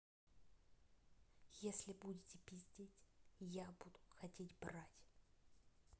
если будете пиздеть я буду хотеть брать